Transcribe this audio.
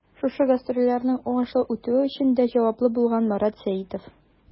Шушы гастрольләрнең уңышлы үтүе өчен дә җаваплы булган Марат Сәитов.